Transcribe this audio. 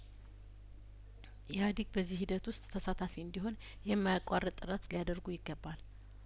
ኢሀዲግ በዚህ ሂደት ውስጥ ተሳታፊ እንዲሆን የማያቋርጥ ጥረት ሊያደርጉ ይገባል